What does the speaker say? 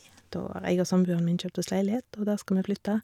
Da har jeg og samboeren min kjøpt oss leilighet, og da skal vi flytte.